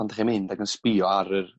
pan 'da chi'n mynd ag yn sbïo ar yr